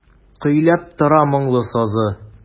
Көйләп тора моңлы сазы.